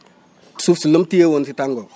suuf si lu mu téye woon si tàngoor